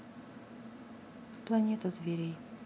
планета зверей